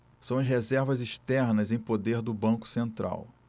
são as reservas externas em poder do banco central